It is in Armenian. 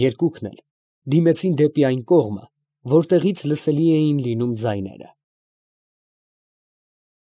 Երկուքն էլ դիմեցին դեպի այն կողմը, որտեղից լսելի էին լինում ձայները։